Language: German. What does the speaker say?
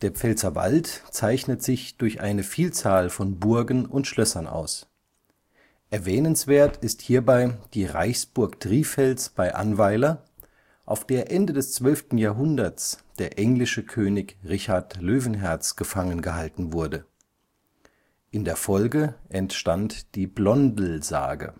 Pfälzerwald zeichnet sich durch eine Vielzahl von Burgen und Schlössern aus. Erwähnenswert ist hierbei die Reichsburg Trifels bei Annweiler, auf der Ende des 12. Jahrhunderts der englische König Richard Löwenherz gefangen gehalten wurde; in der Folge entstand die Blondelsage